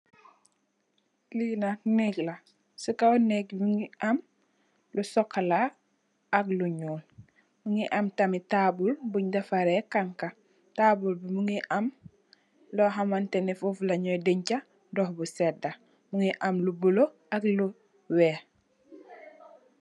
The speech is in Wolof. Li nat nèk la, ci kaw nèk mugi am lu sokola ak lu ñuul, mugii am tamit tabull mung defarr reh xanxa. Tabull bi mugii am loxamanteh ni fof la'ngë denca dox bu sedda. Mugii am lu bula ak lu wèèx.